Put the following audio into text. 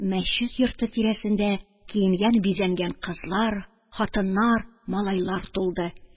Мәчет йорты тирәсенә киенгән-бизәнгән кызлар, хатыннар, малайлар тулды.